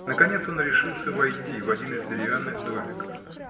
Наконец он решился войти в один из деревянных домиков.